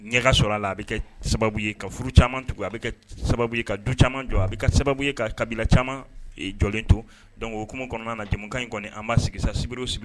Ɲɛka sɔrɔ a la a bɛ kɛ sababu ye ka furu caman tugu a bɛ kɛ sababu ye ka du caman jɔ a bɛ sababu ye ka kabila caman jɔlen to donc o hokumu kɔnɔna na jamukan in kɔni an b'a sigi sa sibiri o sib